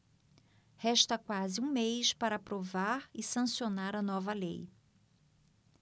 resta quase um mês para aprovar e sancionar a nova lei